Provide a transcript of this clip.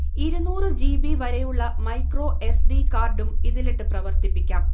ഇരുന്നൂറ് ജിബി വരെയുളള micro S. D. കാർഡും ഇതിലിട്ട് പ്രവർത്തിപ്പിക്കാം